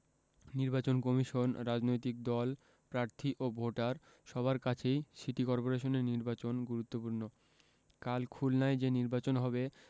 নির্বাচন কমিশন রাজনৈতিক দল প্রার্থী ও ভোটার সবার কাছেই সিটি করপোরেশন নির্বাচন গুরুত্বপূর্ণ কাল খুলনায় যে নির্বাচন হবে